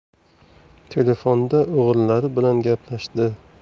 telefonda o'g'illari bilan gaplashdi